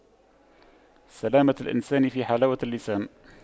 سلامة الإنسان في حلاوة اللسان